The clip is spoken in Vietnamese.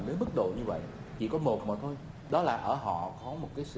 đến mức độ như vậy chỉ có một mà thôi đó là ở họ có một cái sự